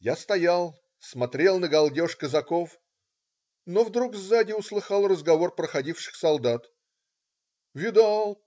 Я стоял - смотрел на галдеж казаков, но вдруг сзади услыхал разговор проходивших солдат: "Видал?